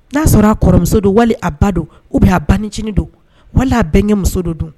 N'a sɔrɔ a kɔrɔmuso don wali a ba don u bɛ a bancinin don wali a bɛn ɲɛ muso don don